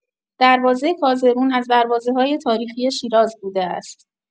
دروازه کازرون از دروازه‌های تاریخی شیراز بوده است.